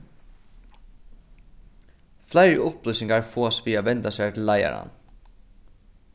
fleiri upplýsingar fáast við at venda sær til leiðaran